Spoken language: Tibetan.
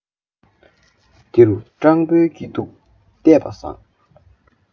འདི རུ སྤྲང པོའི སྐྱིད སྡུག བལྟས པ བཟང